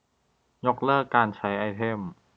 ยกเลิกการใช้ไอเทม